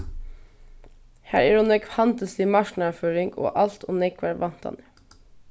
har er ov nógv handilslig marknaðarføring og alt ov nógvar væntanir